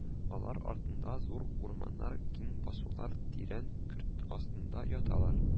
Алар артында зур урманнар, киң басулар тирән көрт астында яталар